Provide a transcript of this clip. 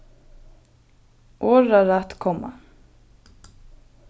orðarætt komma